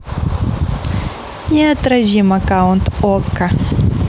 неотразим аккаунт okko